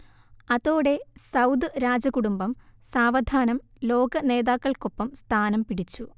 അതോടെ സൗദ് രാജകുടുംബം സാവധാനം ലോക നേതാക്കൾക്കൊപ്പം സ്ഥാനം പിടിച്ചു